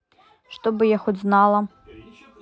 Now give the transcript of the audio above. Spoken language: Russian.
чтобы я хоть знала